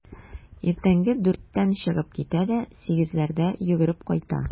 Иртәнге дүрттән чыгып китә дә сигезләрдә йөгереп кайта.